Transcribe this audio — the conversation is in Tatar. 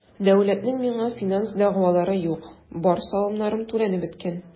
Дәүләтнең миңа финанс дәгъвалары юк, бар салымнарым түләнеп беткән.